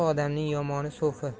odamning yomoni so'fi